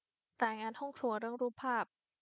รายงานห้องครัวเรื่องรูปภาพ